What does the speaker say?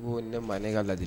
Ko ne manden ne ka la de